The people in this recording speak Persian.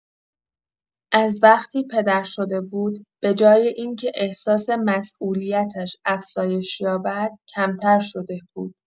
از وقتی پدر شده بود، به‌جای این‌که احساس مسئولیتش افزایش یابد، کمتر شده بود.